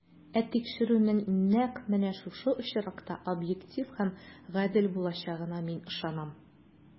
Ә тикшерүнең нәкъ менә шушы очракта объектив һәм гадел булачагына мин ышанам.